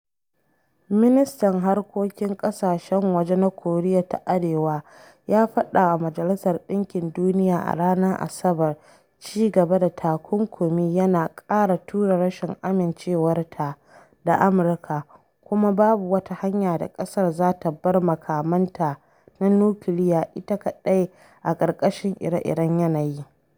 Ministan Harkokin Ƙasashen Waje na Koriya ta Arewa ya faɗa wa Majalisar Ɗinkin Duniya a ranar Asabar ci gaba da takunkumi yana ƙara tura rashin amincewarta da Amurka kuma babu wata hanya da ƙasar za ta bar makamanta na nukiliya ita kaɗai a ƙarƙashin ire-iren yanayin.